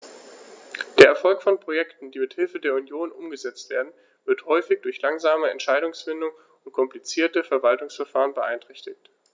Der Erfolg von Projekten, die mit Hilfe der Union umgesetzt werden, wird häufig durch langsame Entscheidungsfindung und komplizierte Verwaltungsverfahren beeinträchtigt.